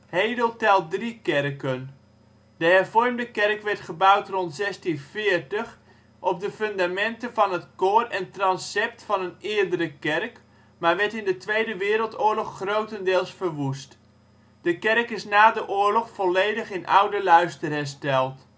Hedel telt drie kerken: De hervormde kerk werd gebouwd rond 1640 op de fundamenten van het koor en transept van een eerdere kerk, maar werd in de Tweede Wereldoorlog grotendeels verwoest. De kerk is na de oorlog volledig in oude luister hersteld